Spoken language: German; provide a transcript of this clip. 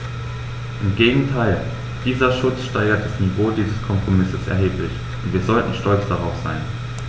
Im Gegenteil: Dieser Schutz steigert das Niveau dieses Kompromisses erheblich, und wir sollten stolz darauf sein.